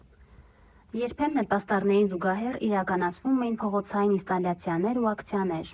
Երբեմն էլ պաստառներին զուգահեռ իրականացվում էին փողոցային ինստալյացիաներ ու ակցիաներ.